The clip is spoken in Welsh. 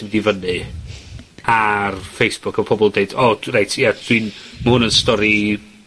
yn fynd i fyny ar Facebook, ma' pobol deud o dw reit ie dwi'n, ma' hwn yn stori